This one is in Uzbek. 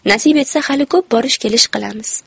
nasib etsa hali ko'p borish kelish qilamiz